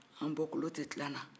an bɔkolo tɛ tila an na